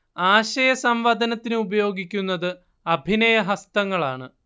ആശയസംവദനത്തിന് ഉപയോഗിക്കുന്നത് അഭിനയഹസ്തങ്ങളാണ്